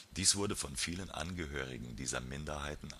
Dies wurde von vielen Angehörigen dieser Minderheiten